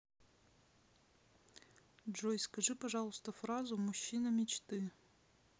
джой скажи пожалуйста фразу мужчина мечты